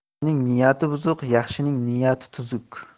yomonning niyati buzuq yaxshining niyati tuzuk